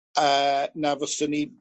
Yy na fyswn i